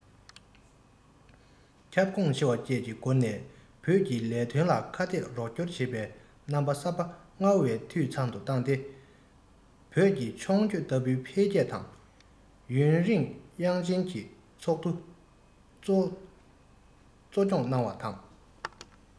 ཁྱབ ཁོངས ཆེ བ བཅས ཀྱི སྒོ ནས བོད ཀྱི ལས དོན ལ ཁ གཏད རོགས སྐྱོར བྱེད པའི རྣམ པ གསར པ སྔར བས འཐུས ཚང དུ བཏང སྟེ བོད ཀྱི མཆོང སྐྱོད ལྟ བུའི འཕེལ རྒྱས དང ཡུན རིང དབྱང ཅིན གྱིས ཚོགས འདུ གཙོ སྐྱོང གནང བ དང